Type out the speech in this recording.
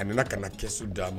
A nana ka kɛsu d di' ma